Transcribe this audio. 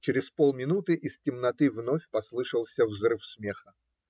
Через полминуты из темноты вновь послышался взрыв смеха.